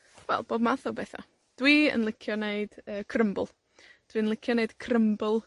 wel, bob math o betha. Dwi yn licio neud, yy, crymbl. Dwi'n licio 'neud crymbl,